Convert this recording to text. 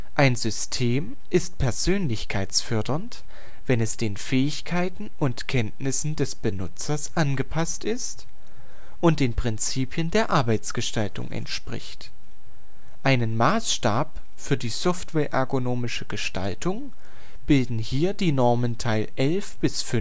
Ein System ist persönlichkeitsfördernd, wenn es den Fähigkeiten und Kenntnissen des Benutzers (Benutzermodell) angepasst ist und den Prinzipien der Arbeitsgestaltung entspricht. Einen Maßstab für die softwareergonomische Gestaltung bilden die Normen Teil 11 bis 17